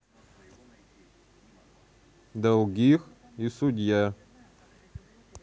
долгих и судья